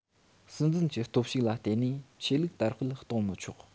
སྲིད འཛིན གྱི སྟོབས ཤུགས ལ བརྟེན ནས ཆོས ལུགས དར སྤེལ གཏོང ཡང མི ཆོག